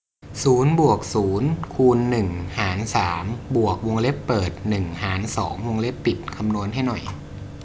ศูนย์บวกศูนย์คูณหนึ่งหารสามบวกวงเล็บเปิดหนึ่งหารสองวงเล็บปิดคำนวณให้หน่อย